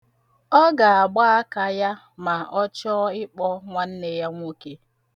Ọ ga-agba aka ya ma ọ chọọ ịkpọ nwanne ya nwoke.